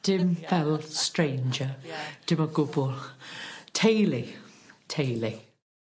Dim fel stranger. Dim o gwbwl. Teulu. Teulu.